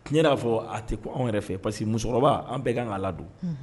Tiɲɛ y'a fɔ a tɛ ko anw yɛrɛ fɛ pa parce que musokɔrɔba an bɛɛ kan' la don